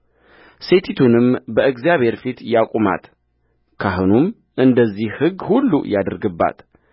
ሴቲቱንም በእግዚአብሔር ፊት ያቁማት ካህኑም እንደዚህ ሕግ ሁሉ ያድርግባት